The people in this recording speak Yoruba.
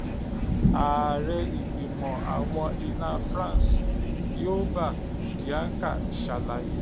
Ààrẹ Ìgbìmọ̀ àwọn Inal-France, Youba Dianka, ṣàlàyé: